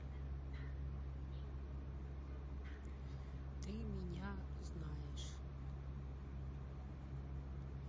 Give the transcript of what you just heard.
ты меня знаешь